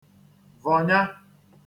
vọ̀nya